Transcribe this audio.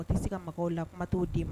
A tɛ se ka mɔgɔw la kuma' den ma